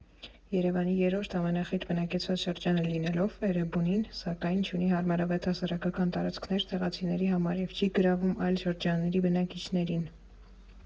Երևանի երրորդ ամենախիտ բնակեցված շրջանը լինելով, Էրեբունին, սակայն, չունի հարմարավետ հասարակական տարածքներ տեղացիների համար և չի գրավում այլ շրջանների բնակիչներին։